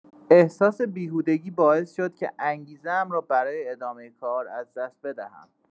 احساس بیهودگی باعث شد که انگیزه‌ام را برای ادامه کار از دست بدهم.